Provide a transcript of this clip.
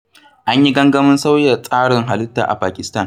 An yi gangamin sauya tsarin halitta a Pakistan